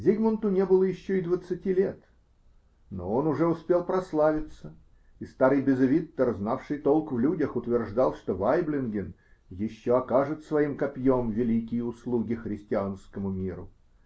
Зигмунту не было еще двадцати лет, но он уже успел прославиться, и старый Безевиттер, знавший толк в людях, утверждал, что Вайблинген еще окажет своим копьем великие услуги христианскому миру.